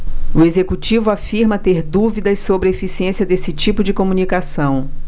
o executivo afirma ter dúvidas sobre a eficiência desse tipo de comunicação